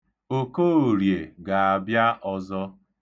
Okoorie ga-abịa ọzọ.